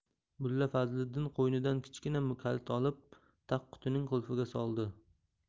mulla fazliddin qo'ynidan kichkina kalit olib tagqutining qulfiga soldi